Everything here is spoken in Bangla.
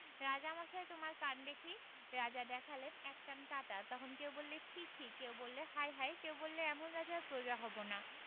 রাজামশাই তোমার কান দেখি রাজা দেখালেন এক কান কাটা তখন কেউ বললে ছি ছি' কেউ বললে হায় হায় কেউ বললে এমন রাজার প্ৰজা হব না